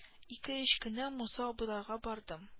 Ике-өч көннән муса абыйларга бардым